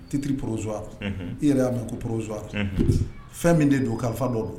Fitiriri purrozo i yɛrɛ y' mɛn ko purrozo fɛn min de don o kalifa dɔ don